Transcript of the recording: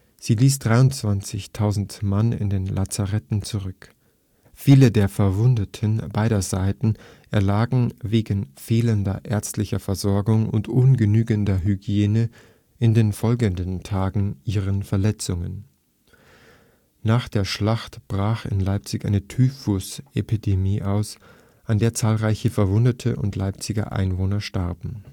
sie ließ 23.000 Mann in den Lazaretten zurück. Viele der Verwundeten beider Seiten erlagen wegen fehlender ärztlicher Versorgung und ungenügender Hygiene in den folgenden Tagen ihren Verletzungen. Nach der Schlacht brach in Leipzig eine Typhus-Epidemie aus, an der zahlreiche Verwundete und Leipziger Einwohner starben